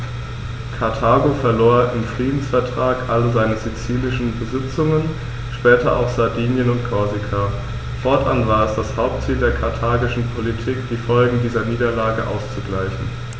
Karthago verlor im Friedensvertrag alle seine sizilischen Besitzungen (später auch Sardinien und Korsika); fortan war es das Hauptziel der karthagischen Politik, die Folgen dieser Niederlage auszugleichen.